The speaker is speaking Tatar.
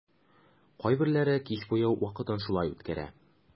Кайберләре кич буе вакытын шулай үткәрә.